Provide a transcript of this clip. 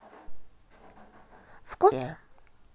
вкус граната четвертая серия